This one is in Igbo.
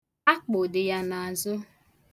Akpụ dị ya n'azụ.